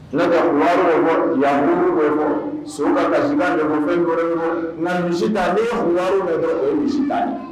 Ne bɔ yan fɔ sun kasi fɛn bɔra nka misi ta ne bɛ bɔ e misi ta ye